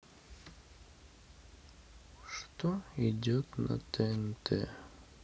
что идет на тнт